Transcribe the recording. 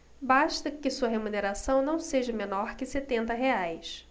basta que sua remuneração não seja menor que setenta reais